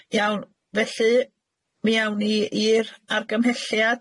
Iawn, felly mi awn ni i'r argymhelliad.